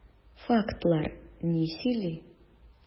Фактлар ни сөйли?